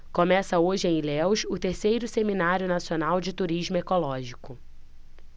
começa hoje em ilhéus o terceiro seminário nacional de turismo ecológico